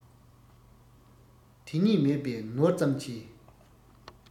དེ གཉིས མེད པའི ནོར ཙམ གྱིས